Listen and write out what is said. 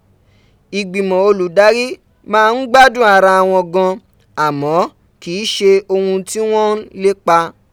Ìgbìmọ̀ olùdarí máa ń gbádùn ara wọn gan an, àmọ́ kì í ṣe ohun tí wọ́n ń lépa.